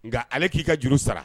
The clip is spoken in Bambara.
Nka ale k'i ka juru sara